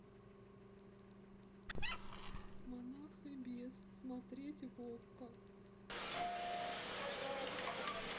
монах и бес смотреть в окко